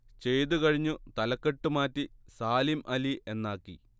ചെയ്തു കഴിഞ്ഞു തലക്കെട്ട് മാറ്റി സാലിം അലി എന്നാക്കി